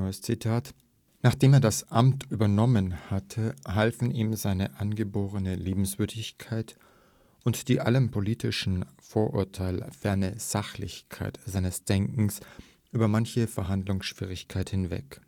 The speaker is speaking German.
Butenandt „ Nachdem er das Amt übernommen hatte, halfen ihm seine angeborene Liebenswürdigkeit und die allem politischen Vorurteil ferne Sachlichkeit seines Denkens über manche Verhandlungsschwierigkeit hinweg